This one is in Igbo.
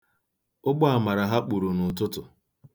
Ụgbọamara ha kpuru n'ụtụtụ.